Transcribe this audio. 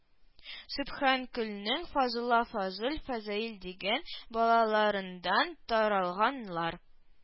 Сөбханколның фазулла-фазул фазаил дигән балаларындан таралганлар